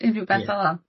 unryw beth fela?